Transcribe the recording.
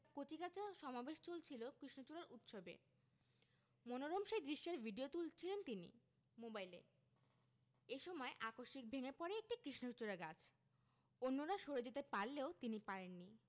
কচিকাঁচার সমাবেশ চলছিল কৃষ্ণচূড়া উৎসবে মনোরম সেই দৃশ্যের ভিডিও তুলছিলেন তিনি মোবাইলে এ সময় আকস্মিক ভেঙ্গে পড়ে একটি কৃষ্ণচূড়া গাছ অন্যরা সরে যেতে পারলেও তিনি পারেননি